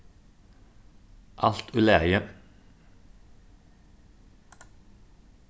alt í lagi